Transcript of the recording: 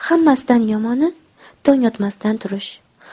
hammasidan yomoni tong otmasdan turish